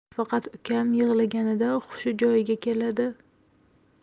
faqat ukam yig'laganida hushi joyiga keladi